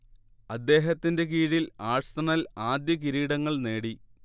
അദ്ദേഹത്തിന്റെ കീഴിൽ ആഴ്സണൽ ആദ്യ കിരീടങ്ങൾ നേടി